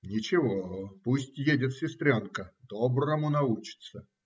Ничего, пусть едет сестренка, доброму научится.